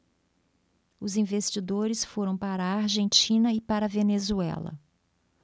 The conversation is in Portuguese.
os investidores foram para a argentina e para a venezuela